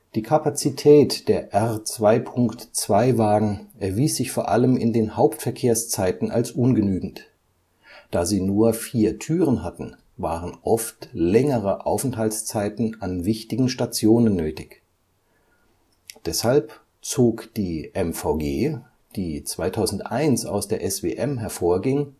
Die Kapazität der R 2.2-Wagen erwies sich vor allem in den Hauptverkehrszeiten als ungenügend. Da sie nur vier Türen hatten, waren oft längere Aufenthaltszeiten an wichtigen Stationen nötig. Deshalb zog die (MVG), die 2001 aus der SWM hervorging